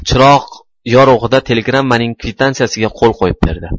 chiroq yorug'ida telegrammaning kvitantsiyasiga qo'l qo'yib berdi